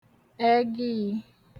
ẹgịị̄